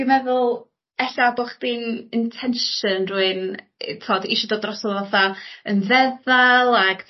dwi meddwl ella bo' chdi'm intention rywun yy t'od isio dod droso fatha yn feddal ag